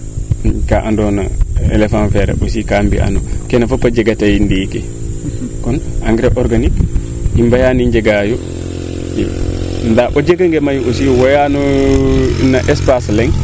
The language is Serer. kaa ando na elephant aussi kaa mbiyan kene fop a jega tey ndiiki kon engrais organique i mbayano njega yo ndaa o jega nge mayu tam wara no espace leŋ